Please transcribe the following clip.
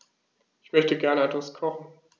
Ich möchte gerne etwas kochen.